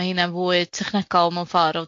Ma' heinia'n fwy technolegol mewn ffor.